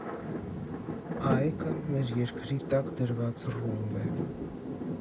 ԱԷԿ֊ը մեր երկրի տակ դրված ռումբ է։